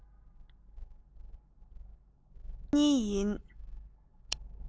རྡོག རྡོག གཉིས ཡིན